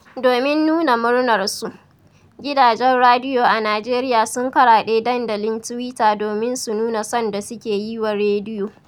Domin nuna murnarsu, gidajen radiyo a Nijeriya sun karaɗe dandalin Tiwita domin su nuna son da suke yi wa rediyo: